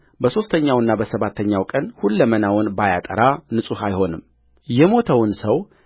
በሦስተኛውና በሰባተኛው ቀን ሁለመናውን ባያጠራ ንጹሕ አይሆንምየሞተውን ሰው